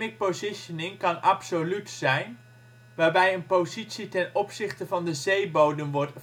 positioning kan absoluut zijn, waarbij een positie ten opzichte van de zeebodem wordt